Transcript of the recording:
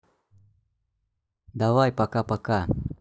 давай пока пока